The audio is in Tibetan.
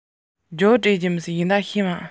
རྒྱུགས མ གཏོགས མི ཤེས